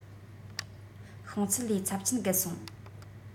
ཤོང ཚད ལས ཚབས ཆེན བརྒལ སོང